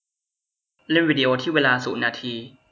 เล่นวีดีโอที่เวลาศูนย์นาที